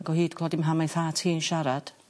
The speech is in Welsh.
Ac o' hi 'di clwad 'i mham a'i thad hi'n siarad